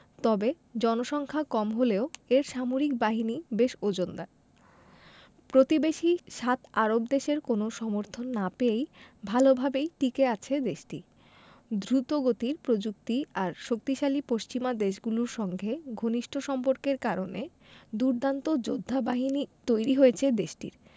তবে জনসংখ্যা কম হলেও এর সামরিক বাহিনী বেশ ওজনদার প্রতিবেশী সাত আরব দেশের কোনো সমর্থন না পেয়েও ভালোভাবেই টিকে আছে দেশটি দ্রুতগতির প্রযুক্তি আর শক্তিশালী পশ্চিমা দেশগুলোর সঙ্গে ঘনিষ্ঠ সম্পর্কের কারণে দুর্দান্ত যোদ্ধাবাহিনী তৈরি হয়েছে দেশটির